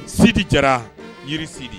Sidi jara jiri sidi